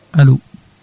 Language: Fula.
alo